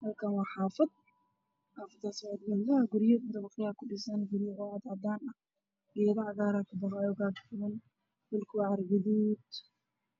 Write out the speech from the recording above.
Halkaan waa oo guryo dabaqyo ah kuyaaliin oo cadaan ah, geedo cagaaran ayaa kabaxaayo, dhulkana waa carro gaduud.